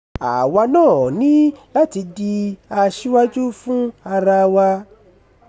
Àwa náà ní láti di aṣíwájú fún ara wa.